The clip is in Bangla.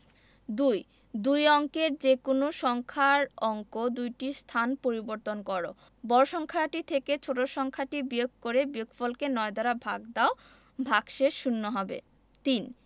২ দুই অঙ্কের যেকোনো সংখ্যার অঙ্ক দুইটির স্থান পরিবর্তন কর বড় সংখ্যাটি থেকে ছোট ছোট সংখ্যাটি বিয়োগ করে বিয়োগফলকে ৯ দ্বারা ভাগ দাও ভাগশেষ শূন্য হবে ৩